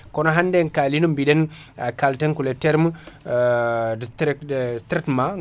kono hande en kaalino biɗen kalten le terme de traite de traitement